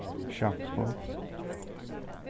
sjampo